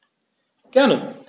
Gerne.